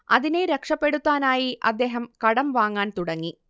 അതിനെ രക്ഷപെടുത്താനായി അദ്ദേഹം കടം വാങ്ങാൻ തുടങ്ങി